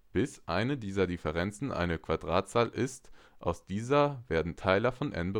bis eine dieser Differenzen eine Quadratzahl ist. Aus dieser werden Teiler von n {\ displaystyle n} berechnet